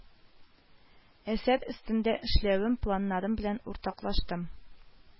Әсәр өстендә эшләвем, планнарым белән уртаклаштым